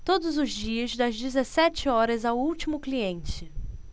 todos os dias das dezessete horas ao último cliente